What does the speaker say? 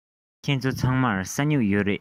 ཁྱེད ཚོ ཚང མར ས སྨྱུག ཡོད རེད